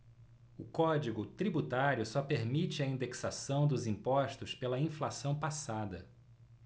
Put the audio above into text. o código tributário só permite a indexação dos impostos pela inflação passada